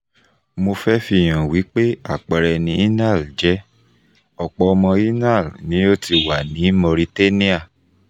Mo fẹ́ fi hàn wípé àpẹẹrẹ ni Inal jẹ́; ọ̀pọ̀ ọmọ Inal' ni ó ti wà ní Mauritania.